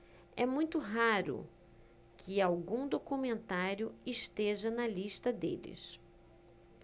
é muito raro que algum documentário esteja na lista deles